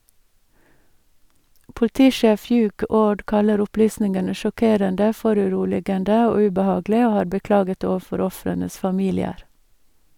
Politisjef Hugh Orde kaller opplysningene «sjokkerende, foruroligende og ubehagelig», og har beklaget overfor ofrenes familier.